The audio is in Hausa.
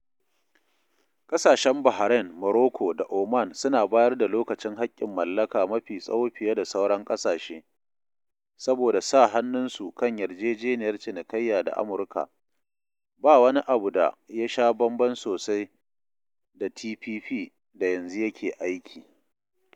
Ƙasashen Bahrain, Morocco, da Oman suna bayar da lokacin haƙƙin mallaka mafi tsawo fiye da sauran ƙasashe, saboda sa hannunsu kan yarjejeniyar cinikayya da Amurka, ba wani abu da yasha bamban sosai da TPP da yanzu yake aiki.